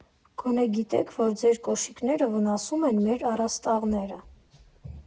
Գոնե գիտե՞ք, որ ձեր կոշիկները վնասում են մեր առաստաղները։